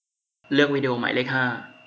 เลือกวิดีโอหมายเลขห้า